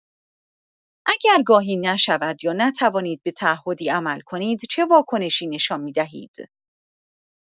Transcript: اگر گاهی نشود یا نتوانید به تعهدی عمل کنید، چه واکنشی نشان می‌دهید؟